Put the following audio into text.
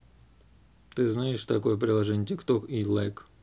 ты знаешь такое приложение tiktok и like